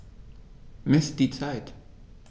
Miss die Zeit.